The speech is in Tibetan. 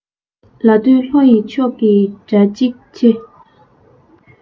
ལ སྟོད ལྷོ ཡི ཕྱོགས ནི དགྲ འཇིགས ཆེ